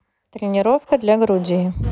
тренировка для груди